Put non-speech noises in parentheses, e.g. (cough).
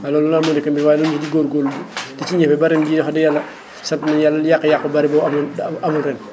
* (noise) waaye nag (noise) ñu ngi góor-góorlu (noise) di ci ñefe ba ren jii wax dëgg yàlla sant nañu yàlla yaqu yaqu bu bëri amul amul ren